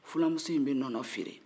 filamuso in bɛ nɔnɔ feere